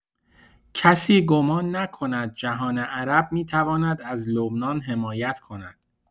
کسی گمان نکند جهان عرب می‌تواند از لبنان حمایت کند.